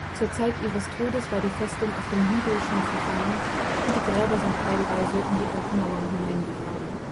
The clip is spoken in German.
Zur Zeit ihres Todes war die Festung auf dem Hügel schon verfallen und die Gräber sind teilweise in die alten Mauern hineingegraben